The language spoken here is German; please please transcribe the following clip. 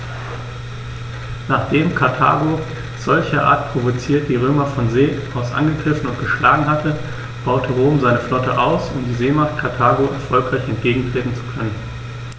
Nachdem Karthago, solcherart provoziert, die Römer von See aus angegriffen und geschlagen hatte, baute Rom seine Flotte aus, um der Seemacht Karthago erfolgreich entgegentreten zu können.